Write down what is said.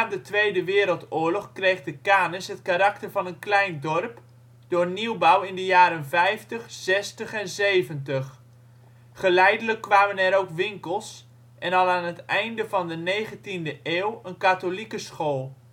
de Tweede Wereldoorlog kreeg de Kanis het karakter van een klein dorp, door nieuwbouw in de jaren vijftig, zestig en zeventig. Geleidelijk kwamen er ook winkels en al aan het einde van de negentiende eeuw een (katholieke) school. In